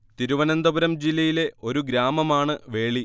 തിരുവനന്തപുരം ജില്ലയിലെ ഒരു ഗ്രാമമാണ് വേളി